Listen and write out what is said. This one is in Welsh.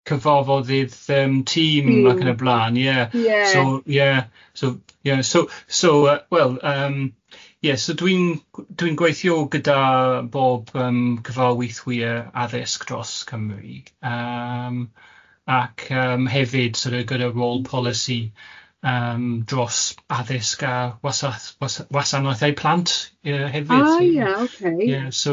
cyfarfodydd yym tîm ac yn y blan... Ie ie ....so ie so ie so so yy wel yym ie so dwi'n dwi'n gweithio gyda bob yym cyfarweithwyr addysg dros Cymru, yym ac yym hefyd sort of gyda role policy yym dros addysg ar wasath- was- wasanaethau plant ie hefyd... A ie ok. ...ie so,